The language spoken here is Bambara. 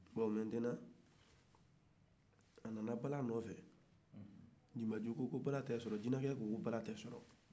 bon maintenant a nana bala nɔfɛ jinacɛ ko ko bala tɛ sɔrɔ